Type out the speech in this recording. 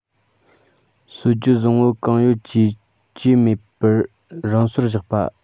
སྲོལ རྒྱུན བཟང པོ གང ཡོད བཅས བཅོས མེད པར རང སོར བཞག པ